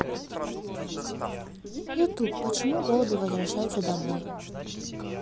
ютуб почему голуби возвращаются домой